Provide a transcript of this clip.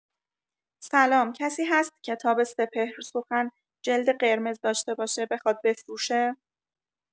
سلام کسی هست کتاب سپهر سخن جلد قرمز داشته باشه بخواد بفروشه؟